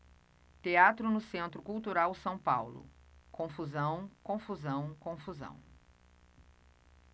teatro no centro cultural são paulo confusão confusão confusão